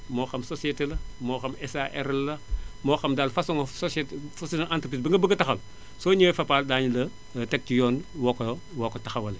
moo xam société la moo xam SARL la moo xam daal façon société socié en entreprise bi nga bëgg a taxawal soo ñëwee Fapal daañu la teg ci yoon woo ko woo ko taxawalee